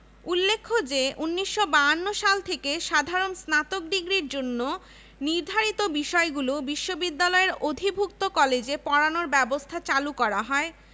যেসব মনীষীর অবদানে বিশ্ববিদ্যালয়টির ঐতিহ্য গড়ে উঠেছে তাঁদের মধ্যে রয়েছেন মহামহোপাধ্যায় Haraprasad Shastri A C Turner G H Langley